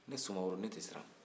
ne sumaworo ne tɛ siran